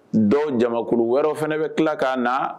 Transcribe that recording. Dɔw jakuru wɛrɛ fana bɛ tila kan na